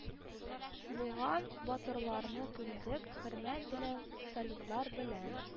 Булган батырларны күмдек, хөрмәт белән, салютлар белән